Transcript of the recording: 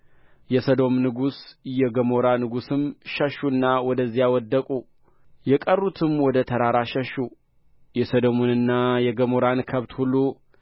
የሰዶም ንጉሥ የገሞራ ንጉሥም ሸሹና ወደዚያ ወደቁ የቀሩትም ወደ ተራራ ሸሹ የሰዶምንና የገሞራን ከብት ሁሉ